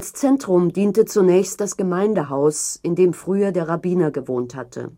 Zentrum diente zunächst das Gemeindehaus, in dem früher der Rabbiner gewohnt hatte